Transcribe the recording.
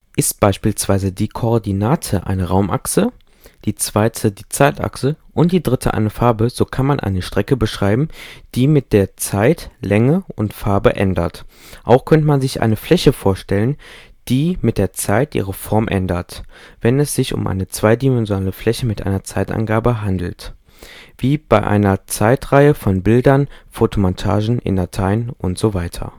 Ist beispielsweise die Koordinate eine Raumachse, die zweite die Zeitachse und die dritte eine Farbe, so kann man eine Strecke beschreiben, die mit der Zeit Länge und Farbe ändert. Auch könnte man sich eine Fläche vorstellen, die mit der Zeit ihre Form ändert, wenn es sich um eine zweidimensionale Fläche mit einer Zeitangabe handeln – wie etwa bei einer Zeitreihe von Bildern, Fotomontagen, in Dateien usw.